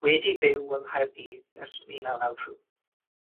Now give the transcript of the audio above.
wedi byw yng Nghaerdydd ers mil naw naw tri.